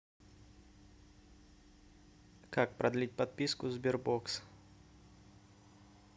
как продлить подписку sberbox